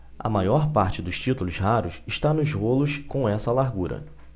a maior parte dos títulos raros está em rolos com essa largura